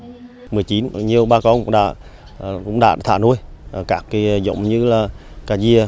mười chín ở nhiều bà con đã trúng đạn thả nuôi ở các kia giống như là cả yeah